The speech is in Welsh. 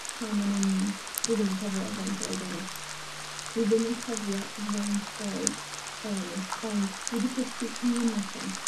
Pan o'n i'n, dwi ddim yn cofio faint oed o'n i. Dwi ddim yn cofio faint oed o'n i, ond dwi 'di cysgu un noson,